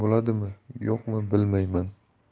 jang bo'ladimi yo'qmi bilmayman